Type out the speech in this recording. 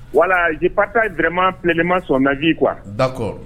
Walaa je partage vraiment pleinement son avis quoi d'accord